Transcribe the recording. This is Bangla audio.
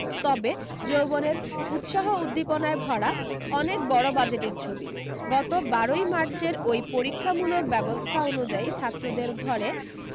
তবে যৌবনের উৎসাহ উদ্দীপনায় ভরা অনেক বড় বাজেটের ছবি গত বারোই মার্চের ওই পরীক্ষামূলক ব্যবস্থা অনু্যায়ী ছাত্রদের ঘরে